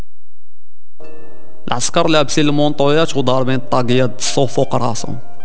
عسكر لابسين طاقيات فوق راسه